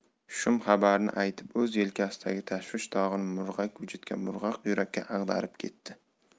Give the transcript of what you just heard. shum xabarni aytib o'z yelkasidagi tashvish tog'ini murg'ak vujudga murg'ak yurakka ag'darib ketdi